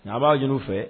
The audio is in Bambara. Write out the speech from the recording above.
Nka a' b'a' ɲini u fɛ